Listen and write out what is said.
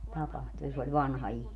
tapahtui ja se oli vanha ihminen